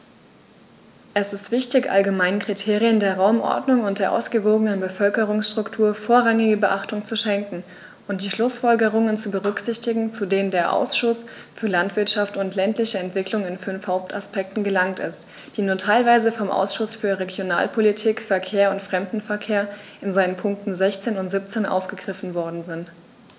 Es ist wichtig, allgemeinen Kriterien der Raumordnung und der ausgewogenen Bevölkerungsstruktur vorrangige Beachtung zu schenken und die Schlußfolgerungen zu berücksichtigen, zu denen der Ausschuss für Landwirtschaft und ländliche Entwicklung in fünf Hauptaspekten gelangt ist, die nur teilweise vom Ausschuss für Regionalpolitik, Verkehr und Fremdenverkehr in seinen Punkten 16 und 17 aufgegriffen worden sind.